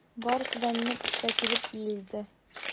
Барысы да минем өскә килеп иелде.